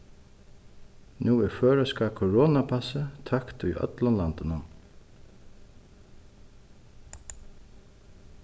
nú er føroyska koronapassið tøkt í øllum landinum